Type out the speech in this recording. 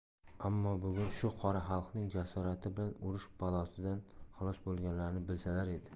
ammo bugun shu qora xalqning jasorati bilan urush balosidan xalos bo'lganlarini bilsalar edi